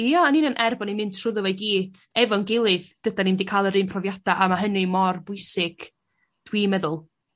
Ie yn union er bo' ni'n mynd trwddo fo i gyd efo'n gilydd dydan ni'm 'di ca'l yr un profiada a ma' hynny mor bwysig dwi'n meddwl.